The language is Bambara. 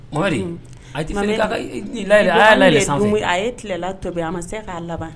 Ri layi a a ye tilela tɔbi a ma se k'a laban